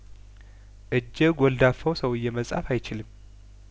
እጀ ጐልዳፋው ሰውዬ መጻፍ አይችልም